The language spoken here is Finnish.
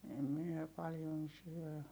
en minä paljon syö